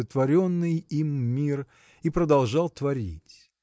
сотворенный им мир и продолжал творить.